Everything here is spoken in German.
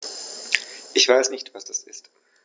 Ich weiß nicht, was das ist.